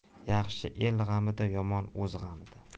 yaxshi el g'amida yomon o'z g'amida